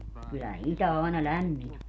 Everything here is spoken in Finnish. kyllä itä aina lämmin on